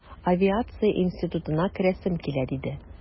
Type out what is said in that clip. Авиация институтына керәсем килә, диде...